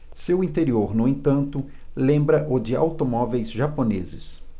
seu interior no entanto lembra o de automóveis japoneses